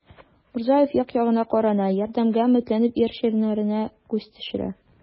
Мурзаев як-ягына карана, ярдәмгә өметләнеп, иярченнәренә күз төшерә.